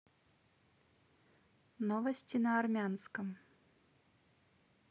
новости на армянском